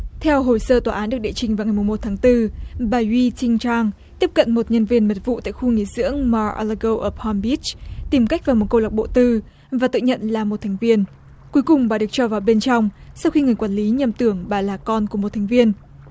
theo hồ sơ tòa án được đệ trình vào ngày mùng một tháng tư bà duy trinh trang tiếp cận một nhân viên mật vụ tại khu nghỉ dưỡng ma a la gâu ở pam bít tìm cách vào một câu lạc bộ tư và tự nhận là một thành viên cuối cùng bà được cho vào bên trong sau khi người quản lý nhầm tưởng bà là con của một thành viên